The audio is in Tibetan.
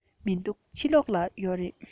མི འདུག ཕྱི ལོགས ལ ཡོད རེད